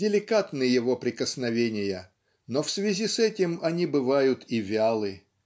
Деликатны его прикосновения, но в связи с этим они бывают и вялы.